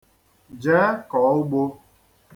Jee koo ugbo.